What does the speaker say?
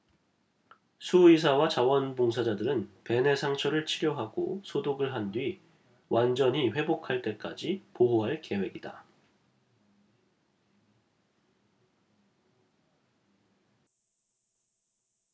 수의사와 자원 봉사자들은 벤의 상처를 치료하고 소독을 한 뒤 완전히 회복할 때까지 보호할 계획이다